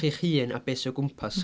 Chi'ch hun a be sy' o gwmpas.